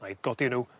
'nai godi n'w